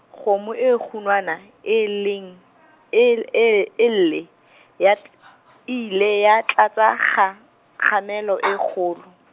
kgomo e kgunwana, e leng , el e e lle, ya tl- , ile ya tlatsa kga, kgamelo e kgolo.